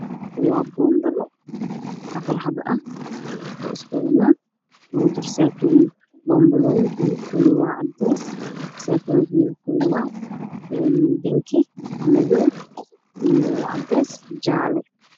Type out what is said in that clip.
Waa boonbala oo saddexdaba ah waa isku wada mid pompalayaasha midabkooda waa caddeysa saakooyinkoodana waa